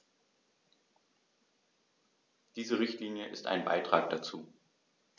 Diese Richtlinie ist ein Beitrag dazu.